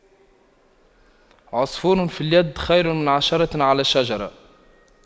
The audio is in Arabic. عصفور في اليد خير من عشرة على الشجرة